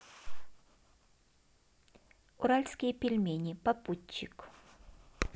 уральские пельмени попутчик